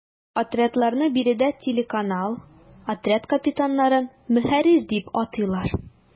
Отрядларны биредә “телеканал”, отряд капитаннарын “ мөхәррир” дип атыйлар.